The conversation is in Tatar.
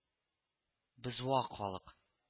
Без вак халык